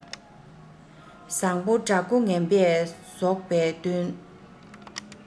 བཟང པོ དགྲ མགོ ངན པས བཟློག པས བསྟུན